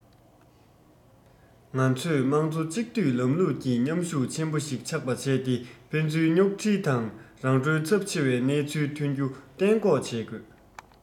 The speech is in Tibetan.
ང ཚོས དམངས གཙོ གཅིག སྡུད ལམ ལུགས ཀྱི མཉམ ཤུགས ཆེན པོ ཞིག ཆགས པ བྱས ཏེ ཕན ཚུན རྙོག འཁྲིལ དང རང གྲོན ཚབས ཆེ བའི སྣང ཚུལ ཐོན རྒྱུ གཏན འགོག བྱེད དགོས